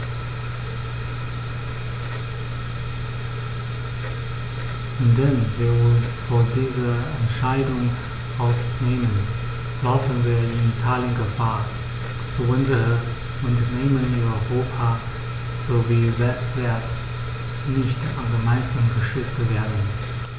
Indem wir uns von dieser Entscheidung ausnehmen, laufen wir in Italien Gefahr, dass unsere Unternehmen in Europa sowie weltweit nicht angemessen geschützt werden.